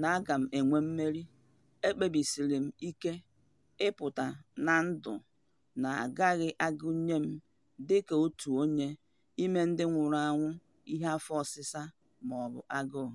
na aga m enwe mmeri, ekpebisiri m ike ịpụta na ndụ na agaghị agụnye m dịka otu onye n'ime ndị nwụrụ anwụ n'ihi afọ ọsịsa maọbụ agụụ.